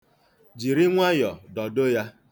Jiri nwayọ dọdo ya.